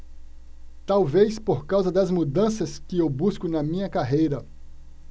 talvez por causa das mudanças que eu busco na minha carreira